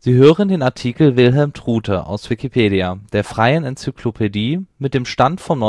Sie hören den Artikel Wilhelm Trute, aus Wikipedia, der freien Enzyklopädie. Mit dem Stand vom